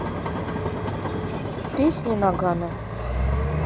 песни нагано